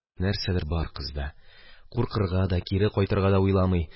Нәрсәдер бар кызда: куркырга да, кире кайтырга да уйламый.